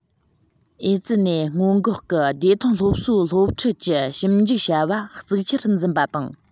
ཨེ ཙི ནད སྔོན འགོག གི བདེ ཐང སློབ གསོའི སློབ ཁྲིད ཀྱི ཞིབ འཇུག བྱ བ གཙིགས ཆེར འཛིན པ དང